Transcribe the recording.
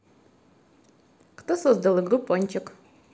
кто создал игру пончик